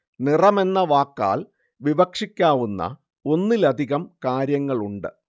നിറമെന്ന വാക്കാൽ വിവക്ഷിക്കാവുന്ന ഒന്നിലധികം കാര്യങ്ങളുണ്ട്